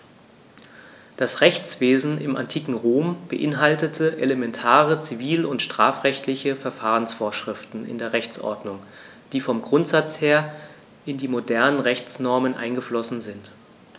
Das Rechtswesen im antiken Rom beinhaltete elementare zivil- und strafrechtliche Verfahrensvorschriften in der Rechtsordnung, die vom Grundsatz her in die modernen Rechtsnormen eingeflossen sind.